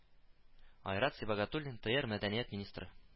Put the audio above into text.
Айрат Сибагатуллин, ТР мәдәният министры